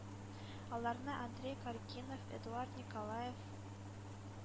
Аларны Андрей Каргинов, Эдуард Николаев,